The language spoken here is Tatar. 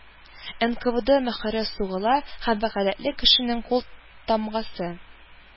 НКВД мөһере сугыла һәм вәкаләтле кешенең култамгасы